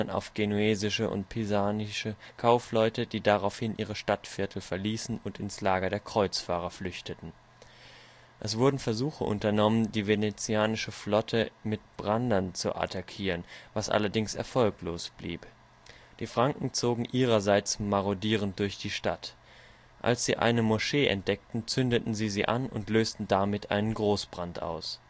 auf genuesische und pisanische Kaufleute, die daraufhin ihre Stadtviertel verließen und ins Lager der Kreuzfahrer flüchteten. Es wurden Versuche unternommen, die venezianische Flotte mit Brandern zu attackieren, was allerdings erfolglos blieb. Die Franken zogen ihrerseits marodierend durch die Stadt. Als sie eine Moschee entdeckten, zündeten sie sie an und lösten damit einen Großbrand aus